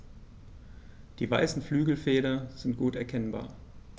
Die weißen Flügelfelder sind gut erkennbar.